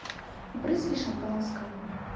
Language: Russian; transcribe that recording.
брызги шампанского